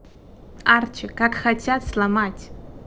арчи как хотят сломать